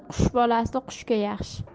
qush bolasi qushga yaxshi